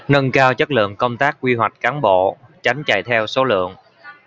nâng cao chất lượng công tác quy hoạch cán bộ tránh chạy theo số lượng